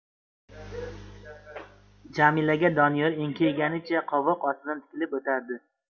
jamilaga doniyor enkayganicha qovoq ostidan tikilib o'tardi